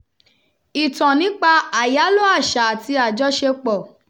Ìtàn nípa àyálò àṣà àti àjọṣepọ̀